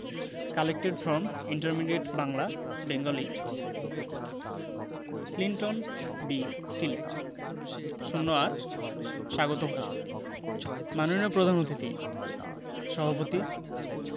collected from intermediate Bangla Bengali Clinton B silly ০৮ স্বাগত ভাষণ মাননীয় প্রধান অতিথি সভাপতি